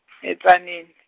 e- Tzaneen.